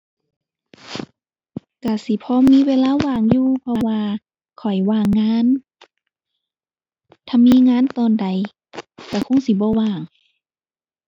ก็สิพอมีเวลาว่างอยู่ เพราะว่าข้อยว่างงาน ถ้ามีงานตอนใดก็คงสิบ่ว่าง